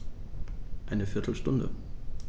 Eine viertel Stunde